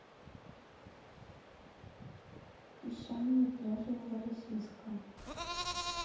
песчаные пляжи новороссийска